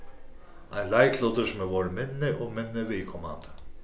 ein leiklutur sum er vorðin minni og minni viðkomandi